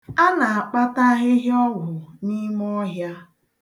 A na-akpata ahịhịa ọgwụ n'ime ọhịa.